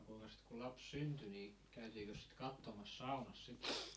no kuinkas sitten kun lapsi syntyi niin käytiinkös sitä katsomassa saunassa sitten